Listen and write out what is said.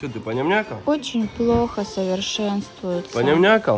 очень плохо совершенствуются